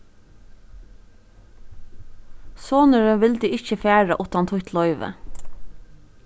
sonurin vildi ikki fara uttan títt loyvi